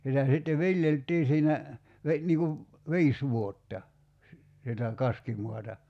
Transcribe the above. sitä sitten viljeltiin siinä - niin kuin viisi vuotta - sitä kaskimaata